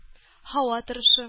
Һава торышы